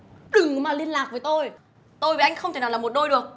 đừng có mà liên lạc với tôi tôi với anh không thể nào là một đôi được